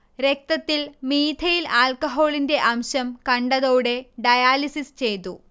രക്തത്തിൽ മീഥൈൽ ആൽക്കഹോളിന്റെ അംശം കണ്ടതോടെ ഡയാലിസിസ് ചെയ്തു